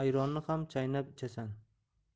ayronni ham chaynab ichasan